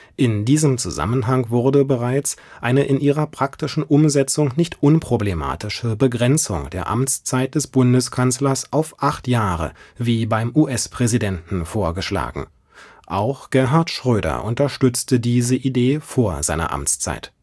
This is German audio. In diesem Zusammenhang wurde bereits eine in ihrer praktischen Umsetzung nicht unproblematische Begrenzung der Amtszeit des Bundeskanzlers auf acht Jahre wie beim US-Präsidenten vorgeschlagen, auch Gerhard Schröder unterstützte diese Idee vor seiner Amtszeit